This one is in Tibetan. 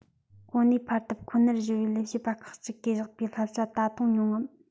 གོ གནས འཕར ཐབས ཁོ ནར གཞོལ བའི ལས བྱེད པ ཁག ཅིག གིས བཞག པའི བསླབ བྱ ད དུང ཉུང ངམ